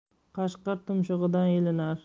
qashqir tumshug'idan ilinar